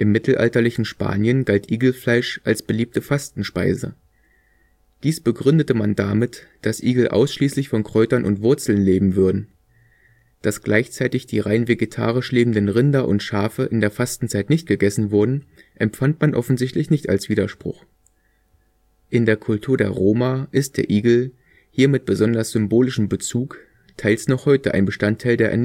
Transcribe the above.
mittelalterlichen Spanien galt Igelfleisch als beliebte Fastenspeise. Dies begründete man damit, dass Igel ausschließlich von Kräutern und Wurzeln leben würden. Dass gleichzeitig die rein vegetarisch lebenden Rinder und Schafe in der Fastenzeit nicht gegessen wurden, empfand man offensichtlich nicht als Widerspruch. In der Kultur der Roma ist der Igel – hier mit besonders symbolischem Bezug – teils noch heute ein Bestandteil der